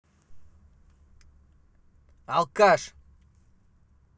алкаш